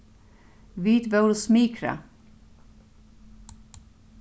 vit vóru smikrað